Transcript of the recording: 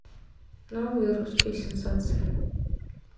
новые русские сенсации